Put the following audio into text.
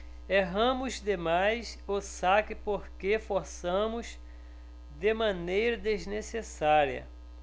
erramos demais o saque porque forçamos de maneira desnecessária